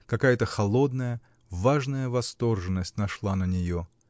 какая-то холодная, важная восторженность нашла на нее.